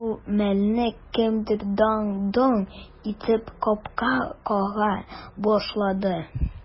Шул мәлне кемдер даң-доң итеп капка кага башлады.